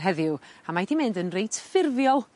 ...heddiw a mae 'di mynd yn reit ffurfiol.